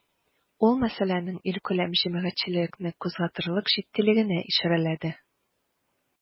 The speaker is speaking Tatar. Ул мәсьәләнең илкүләм җәмәгатьчелекне кузгатырлык җитдилегенә ишарәләде.